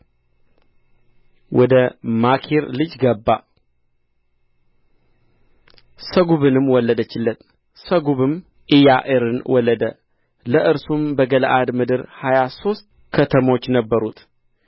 ወደ ማኪር ልጅ ገባ ሠጉብንም ወለደችለት ሠጉብም ኢያዕርን ወለደ ለእርሱም በገለዓድ ምድር ሀያ ሦስት ከተሞች ነበሩት